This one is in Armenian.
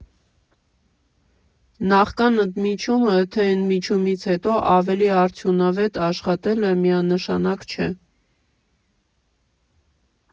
Նախքան ընդմիջումը, թե ընդմիջումից հետո ավելի արդյունավետ աշխատելը միանշանակ չէ։